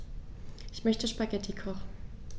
Ich möchte Spaghetti kochen.